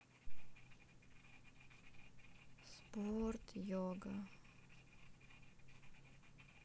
спорт йога